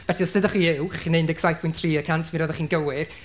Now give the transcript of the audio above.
Felly, os ddeudoch chi uwch neu un deg saith pwynt tri, cant mi roeddech chi'n gywir.